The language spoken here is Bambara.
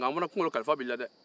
mɛ an fana kunkolo kalifa b'i la dɛɛ